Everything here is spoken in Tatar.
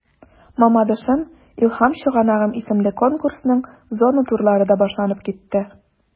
“мамадышым–илһам чыганагым” исемле конкурсның зона турлары да башланып китте.